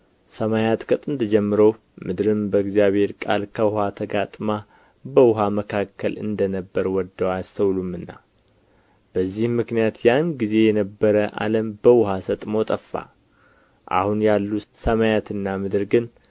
ሰማያት ከጥንት ጀምረው ምድርም በእግዚአብሔር ቃል ከውኃ ተጋጥማ በውኃ መካከል እንደ ነበሩ ወደው አያስተውሉምና በዚህም ምክንያት ያን ጊዜ የነበረ ዓለም በውኃ ሰጥሞ ጠፋ አሁን ያሉ ሰማያትና ምድር ግን